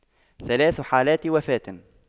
ثلاث حالات وفاة